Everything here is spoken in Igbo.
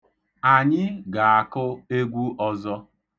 Anyị ga-akụ egwu ọzọ.